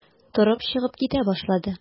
Торып чыгып китә башлады.